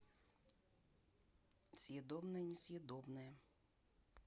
съедобное несъедобное